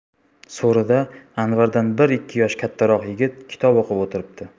so'rida anvardan bir ikki yosh kattarok yigit kitob o'qib o'tiribdi